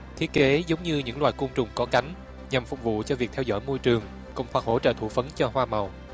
thiết kế giống như những loài côn trùng có cánh nhằm phục vụ cho việc theo dõi môi trường cùng phần hỗ trợ thụ phấn cho hoa màu